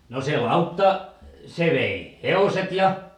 no se lautta se vei hevoset ja